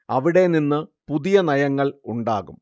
അവിടെ നിന്ന് പുതിയ നയങ്ങൾ ഉണ്ടാകും